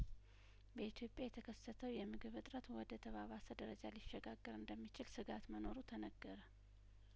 በኢትዮጵያ የተከሰተው የምግብ እጥረት ወደ ተባባሰ ደረጃ ሊሸጋገር እንደሚችል ስጋት መኖሩ ተነገረ